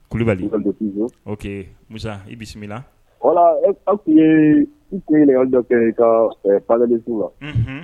Kulubali ii don mu i bisimila bisimila wala aw tun ye ku ko an dɔ kɛ ka fanlen tu wa